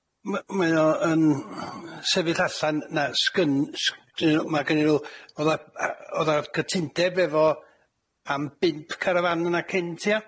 M- mae o yn sefyll allan na sgyn- s- sgynnyn- ma' gynnyn nw o'dd a o'dd a gytundeb efo am bump carafán yna cynt, ia?